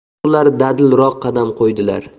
endi ular dadilroq qadam qo'ydilar